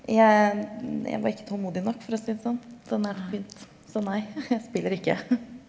jeg jeg var ikke tålmodig nok, for å si det sånn, så så nei jeg spiller ikke .